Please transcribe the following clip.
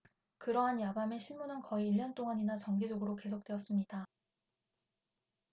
그러한 야밤의 심문은 거의 일년 동안이나 정기적으로 계속되었습니다